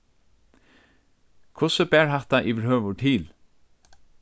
hvussu bar hatta yvirhøvur til